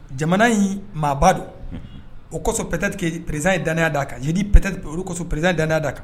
Jamana in maaba don o kɔsɔ pɛtate pererizan ye dan'a kan o kɔsɔ pereriz dandenya'a kan